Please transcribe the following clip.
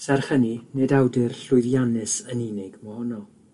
Serch hynny, nid awdur llwyddiannus yn unig mohono.